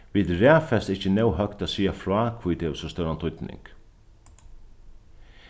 vit raðfesta ikki nóg høgt at siga frá hví tað hevur so stóran týdning